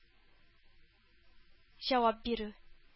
Җавап бирү